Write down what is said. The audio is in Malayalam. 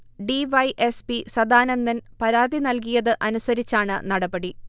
D. Y. S. P. Sadanandan പരാതി നൽകിയത് അനുസരിച്ചാണ് നടപടി